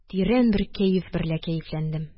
Тирән бер кәеф берлә кәефләндем